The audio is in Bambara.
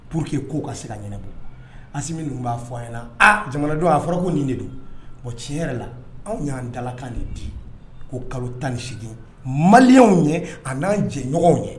Pur que ko' ka se ka ɲɛna bolo a min b'a fɔ a ɲɛna na jamanadenw a'a fɔra ko nin de do bon tiɲɛ yɛrɛ la anw y'an dalakan de di ko kalo tan ni sigi maliw ye ani n'an jɛɲɔgɔnw ye